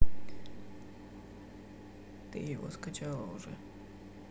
ты его скачала уже